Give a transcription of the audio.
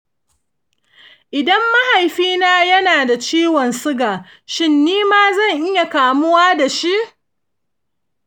idan mahaifina ya na da ciwon suga, shin nima zan iya kamuwa da shi?